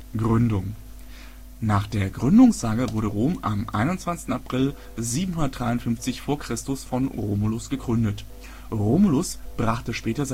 Gründung Nach der Gründungssage wurde Rom am 21. April 753 v. Chr. von Romulus gegründet. Romulus brachte später